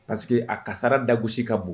Parce que a kasara dagosi ka bon